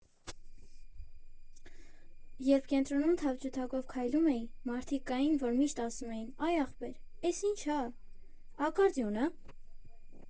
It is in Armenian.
Երբ կենտրոնում թավջութակով քայլում էի, մարդիկ կային, որ միշտ ասում էին՝ «Այ ախպեր, էս ի՞նչ ա, ակարդեոն ա՞»։